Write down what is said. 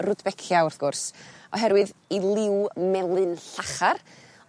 Rudbeckia wrth gwrs oherwydd 'i liw melyn llachar